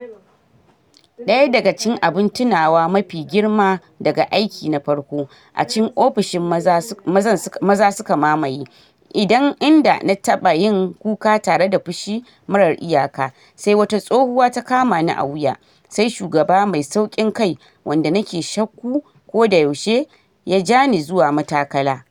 Daya daga cikin abun tunawa mafi girma daga aiki na farko, a cikin ofishin maza suka mamaye, inda na taba yin kuka tare da fushi marar iyaka, sai wata tsohuwa ta kamani a wuya - sai shugaban mai saukin kai wanda nake shakku ko da yaushe- ya jani zuwa matakala.